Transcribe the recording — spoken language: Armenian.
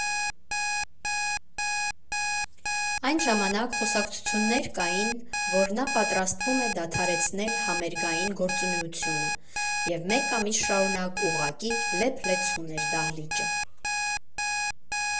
Այն ժամանակ խոսակցություններ կային, որ նա պատրաստվում է դադարեցնել համերգային գործունեությունը, և մեկ ամիս շարունակ ուղղակի լեփ֊լեցուն էր դահլիճը։